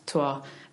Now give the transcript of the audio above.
t'wo'